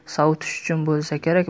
sovutish uchun bo'lsa kerak